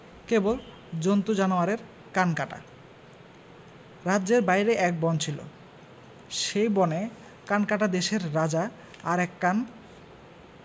কেবল জন্তু জানোয়ারের কান কাটা রাজ্যের বাইরে এক বন ছিল সেই বনে কানকাটা দেশের রাজা আর এক কান